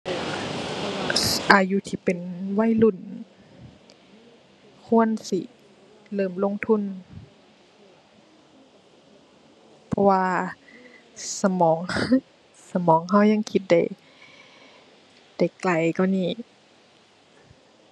อายุที่เป็นวัยรุ่นควรสิเริ่มลงทุน เพราะว่าสมอง สมองเรายังคิดได้ ได้ไกลกว่านี้